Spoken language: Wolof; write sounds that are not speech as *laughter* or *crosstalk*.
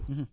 *hesitation* *hesitation*